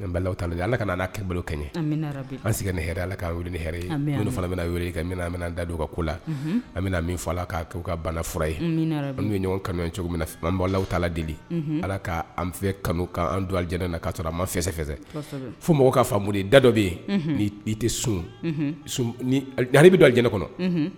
An da ko la an bɛna min fɔ la ka bana fura ye an ye ɲɔgɔn kanu cogo an bɔ la deli ala k' an fɛ kanuan don jɛnɛ na kaa sɔrɔ an ma fɛsɛ fo mɔgɔw ka faamu da dɔ bɛ yen i tɛ sun bɛ jɛnɛ kɔnɔ